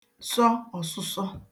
sọ ọ̀sụsọo